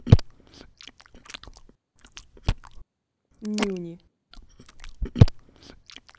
нюни